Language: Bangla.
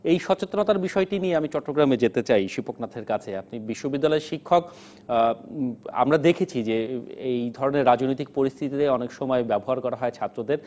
এই সচেতনতার বিষয়টি নিয়ে আমি চট্টগ্রামে যেতে চাই শিপক নাথ এর কাছে আপনি বিশ্ববিদ্যালয়ের শিক্ষক আমরা দেখেছি যে এই ধরনের রাজনৈতিক পরিস্থিতিতে অনেক সময় ব্যবহার ব্যবহার করা হয় ছাত্রদের